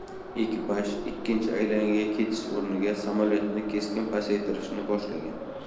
ekipaj ikkinchi aylanaga ketish o'rniga samolyotni keskin pasaytirishni boshlagan